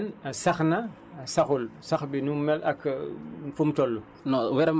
jiw ngeen sax na saxul sax bi nu mu mel ak fu mu toll